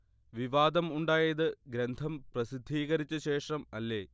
വിവാദം ഉണ്ടായത് ഗ്രന്ഥം പ്രസിദ്ധീകരിച്ച ശേഷം അല്ലേ